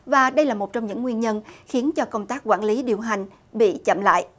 và đây là một trong những nguyên nhân khiến cho công tác quản lý điều hành bị chậm lại